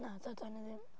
Na, dydan ni ddim.